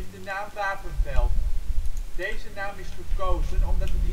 de naam Wapenveld. Deze naam is gekozen omdat